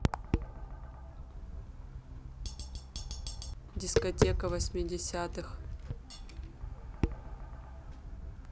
дискотека восмидесятых